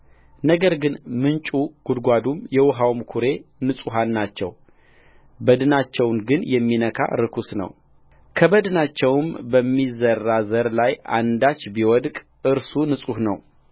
ነገር ግን ምንጩ ጕድጓዱም የውኃውም ኵሬ ንጹሐን ናቸው በድናቸውን ግን የሚነካ ርኩስ ነውከበድናቸውም በሚዘራ ዘር ላይ አንዳች ቢወድቅ እርሱ ንጹሕ ነው